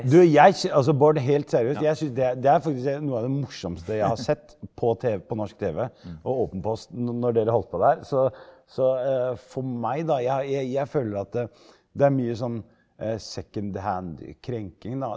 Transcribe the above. du jeg altså Bård helt seriøst jeg syns det det er faktisk noe av det morsomste jeg har sett på tv på norsk tv og Åpen post når dere holdt på der så så for meg da jeg jeg føler at det er mye sånn secondhand krenking da.